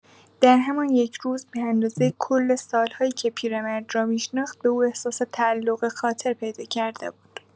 در همان یک روز به‌اندازه کل سال‌هایی که پیرمرد را می‌شناخت، به او احساس تعلق‌خاطر پیدا کرده بود.